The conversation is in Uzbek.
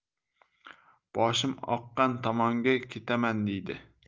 boshim oqqan tomonga ketaman deydi